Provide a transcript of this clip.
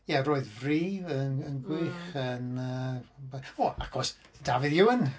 Ie roedd Vrï yn yn gwych yn yy... O, ac os- Dafydd Iwan.